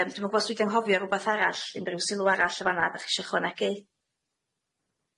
Yym dwi'm yn gwbo os dwi di anghofio rwbath arall unrhyw sylw arall yn fan'na dach chi isio chwanegu?